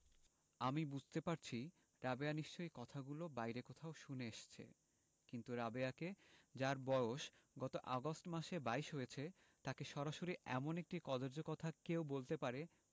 আমি বুঝতে পারছি রাবেয়া নিশ্চয়ই কথাগুলি বাইরে কোথাও শুনে এসেছে কিন্তু রাবেয়াকে যার বয়স গত আগস্ট মাসে বাইশ হয়েছে তাকে সরাসরি এমন একটি কদৰ্য কথা কেউ বলতে পারে